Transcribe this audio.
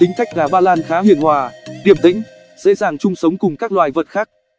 tính cách gà ba lan khá hiền hòa điềm tĩnh dễ dàng chung sống cùng các loài vật khác